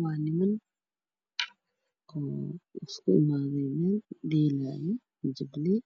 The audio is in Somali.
Waa niman dheelayo burambur